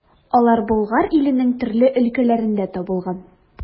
Алар Болгар иленең төрле өлкәләрендә табылган.